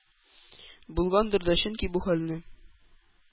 Булгандыр да, чөнки бу хәлне